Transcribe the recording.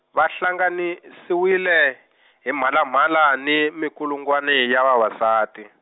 va hlanganisiwile hi, mhalamhala ni minkulungwana ya vavasati.